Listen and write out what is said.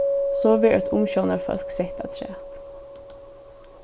so verður eitt umsjónarfólk sett afturat